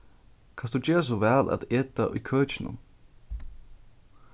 kanst tú gera so væl at eta í køkinum